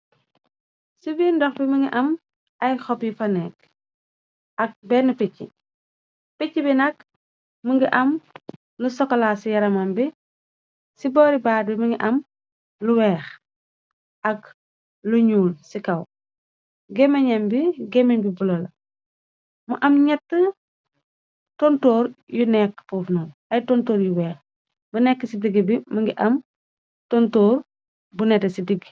Ci biirndox bi, mingi am ay xop yi faneek ak benn picc. Picc bi nakk më ngi am lu sokolaa ci yaramam bi, ci booribaat bi mi ngi am lu weex, ak lu ñuul kaw, géménem bigéme bi bulola, mu am gnett tontoor yu nekk pofno, ay tontoor yu weex, bu nekk ci digg bi, më ngi am tontoor bu nett ci digg.